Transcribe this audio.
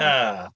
Yy!